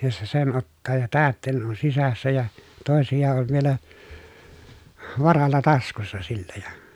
ja se sen ottaa ja täytteinen on sisässä ja toisia on vielä varalla taskussa sillä ja